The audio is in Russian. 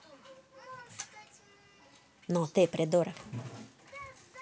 ну ты придурок